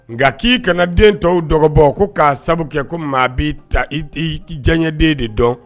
Nka k'i kana den tɔw dɔgɔbɔ ko k'a sabu kɛ ko maa b bɛi ta i diyaɲɛden de dɔn